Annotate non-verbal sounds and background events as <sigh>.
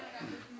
<crosstalk> <hesitation> <hesitation>